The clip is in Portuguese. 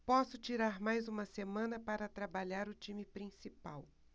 posso tirar mais uma semana para trabalhar o time principal